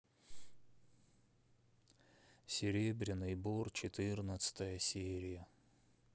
серебряный бор четырнадцатая серия